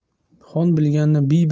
xon bilganni biy